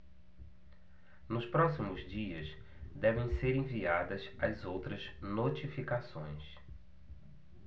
nos próximos dias devem ser enviadas as outras notificações